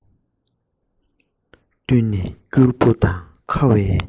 བསྟུན ནས སྐྱུར པོ དང ཁ བའི